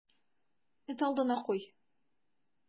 Эт алдына куй.